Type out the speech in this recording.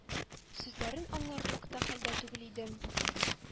Сүзләрен аңларлык та хәлдә түгел идем.